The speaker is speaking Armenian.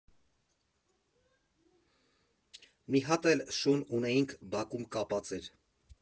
Մի հատ էլ շուն ունեինք, բակում կապած էր։